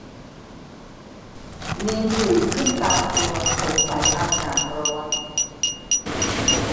มีผื่นขึ้นตามตัวสงสัยอากาศร้อน